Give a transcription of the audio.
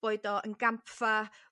boed o yn gampfa